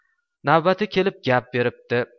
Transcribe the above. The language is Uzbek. navbati kelib gap beribdi